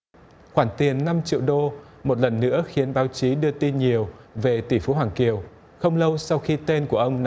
khoản tiền năm triệu đô một lần nữa khiến báo chí đưa tin nhiều về tỷ phú hoàng kiều không lâu sau khi tên của ông